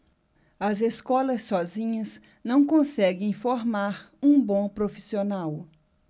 as escolas sozinhas não conseguem formar um bom profissional